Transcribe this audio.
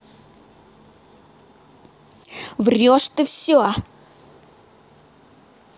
врешь ты все